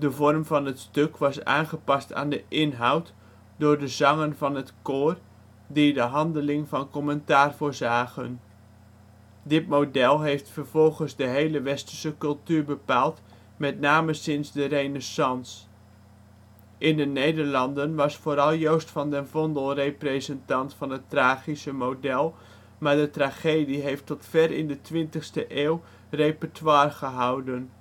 vorm van het stuk was aangepast aan de inhoud door de zangen van het koor, die de handeling van commentaar voorzagen. Dit model heeft vervolgens de hele Westerse cultuur bepaald, met name sinds de Renaissance. In de Nederlanden was vooral Joost van den Vondel representant van het tragische model, maar de tragedie heeft tot ver in de twintigste eeuw repertorie gehouden